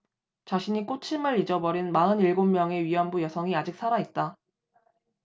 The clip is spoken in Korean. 자신이 꽃임을 잊어버린 마흔 일곱 명의 위안부 여성이 아직 살아 있다